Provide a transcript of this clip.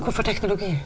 hvorfor teknologi?